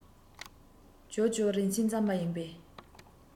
ཇོ ཇོ རིན ཆེན རྩམ པ ཡིན པས